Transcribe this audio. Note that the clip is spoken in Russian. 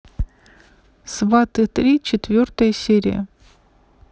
сваты три четвертая серия